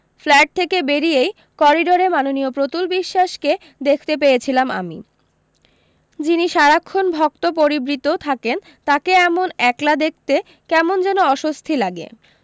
flat থেকে বেরিয়েই করিডরে মাননীয় প্রতুল বিশ্বাসকে দেখতে পেয়েছিলাম আমি যিনি সারাক্ষণ ভক্ত পরিবৃত থাকেন তাকে এমন একলা দেখতে কেমন যেন অস্বস্তি লাগে